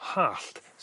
hallt